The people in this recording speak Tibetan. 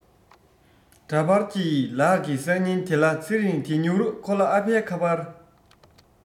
འདྲ པར གྱི ལག གི སང ཉིན དེ ལ ཚེ རིང གི དེ མྱུར ཁོ ལ ཨ ཕའི ཁ པར